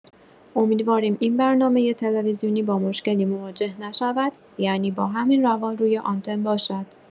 امیدواریم این برنامه تلویزیونی با مشکلی مواجه نشود یعنی با همین روال روی آنتن باشد.